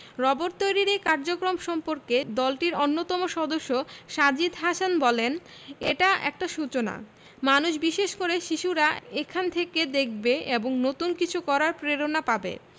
robot তৈরির এ কার্যক্রম সম্পর্কে দলটির অন্যতম সদস্য সাজিদ হাসান বললেন এটা একটা সূচনা মানুষ বিশেষ করে ছোটরা এখান থেকে দেখবে এবং নতুন কিছু করার প্রেরণা পাবে